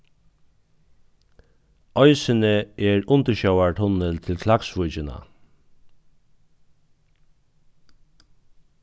eisini er undirsjóvartunnil til klaksvíkina